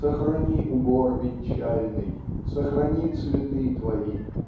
Сохрани убор венчальный, Сохрани цветы твои